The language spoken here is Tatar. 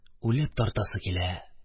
– үлеп тартасы килә...